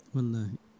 wallahi